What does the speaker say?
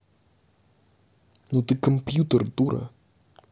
ну ты компьютер дура